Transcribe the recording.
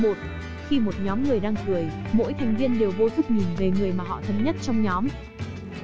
khi một nhóm người đang cười mỗi thành viên đều vô thức nhìn về người mà họ thân nhất trong nhóm